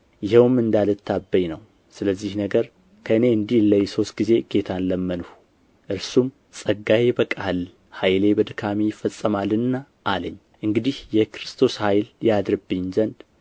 ይኸውም እንዳልታበይ ነው ስለዚህ ነገር ከእኔ እንዲለይ ሦስት ጊዜ ጌታን ለመንሁ እርሱም ጸጋዬ ይበቃሃል ኃይሌ በድካም ይፈጸማልና አለኝ እንግዲህ የክርስቶስ ኃይል ያድርብኝ ዘንድ